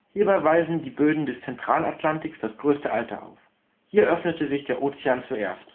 Hierbei weisen die Böden des Zentralatlantiks das größte Alter auf - hier öffnete sich der Ozean zuerst